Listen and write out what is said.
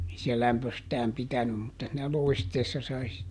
ei se lämpöistään pitänyt mutta siinä loisteessa sai sitten